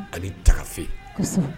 Ani tagafe, kosɛbɛ